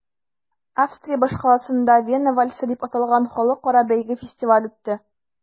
Австрия башкаласында “Вена вальсы” дип аталган халыкара бәйге-фестиваль үтте.